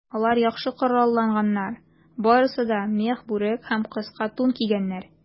Алар яхшы коралланганнар, барысы да мех бүрек һәм кыска тун кигәннәр.